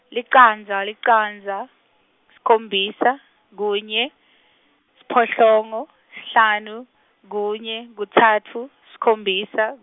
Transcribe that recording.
licandza licandza, sikhombisa, kunye, siphohlongo, sihlanu, kunye, kutsatfu, sikhombisa.